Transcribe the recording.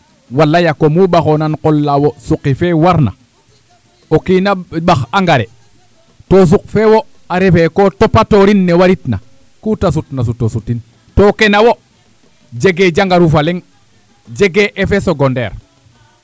waalay a kooma lu ɓaxoona qol la wo' suqi fee warna o kiin a ɓax engrais to suq fee wo' a refee ko topatorin ne waritna kuu ta sutna sut o sutin to ke na wo jegee jangaru fa leŋ jegee effet secondaire a